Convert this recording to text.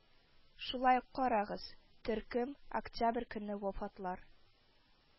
Шулай ук карагыз: Төркем:октябрь көнне вафатлар